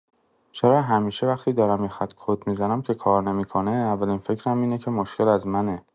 چرا همیشه وقتی دارم یه خط کد می‌زنم که کار نمی‌کنه، اولین فکرم اینه که مشکل از منه؟